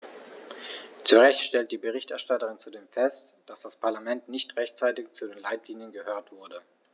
Zu Recht stellt die Berichterstatterin zudem fest, dass das Parlament nicht rechtzeitig zu den Leitlinien gehört wurde.